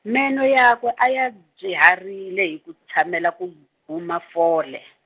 meno yakwe, a ya dzwiharile hi ku tshamela ku, guma fole.